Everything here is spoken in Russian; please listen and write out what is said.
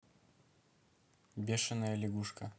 бешеная лягушка